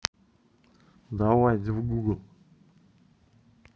давай иди в google